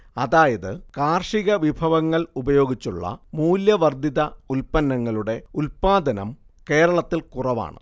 അതായത് കാർഷികവിഭവങ്ങൾ ഉപയോഗിച്ചുള്ള മൂല്യവർദ്ധിത ഉൽപ്പന്നങ്ങളുടെ ഉല്പാദനം കേരളത്തിൽ കുറവാണ്